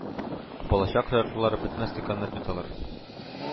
Балачак шаяртулары бетмәс-төкәнмәс бит алар